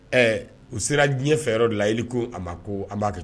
Ɛɛ u sera diɲɛ fɛ yɔrɔ de layi ko a ma ko an b'a kɛ